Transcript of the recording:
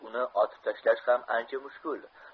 uni otib tashlash ham ancha mushkul